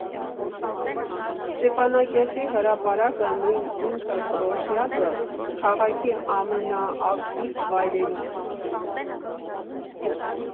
Ստեփանակերտի հրապարակը՝ նույն ինքը Պլոշյաձը, քաղաքի ամենաակտիվ վայրերից է։